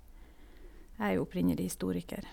Jeg er jo opprinnelig historiker.